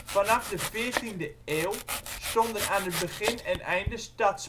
Vanaf de veertiende eeuw stonden aan het begin en einde stadspoorten